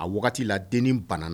A waati wagati la den bana